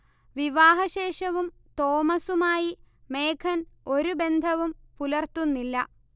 വിവാഹശേഷവും തോമസുമായി മേഘൻ ഒരു ബന്ധവും പുലർത്തുന്നില്ല